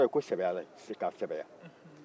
se kɔrɔ ye ko sɛbɛyali k'a sɛbɛya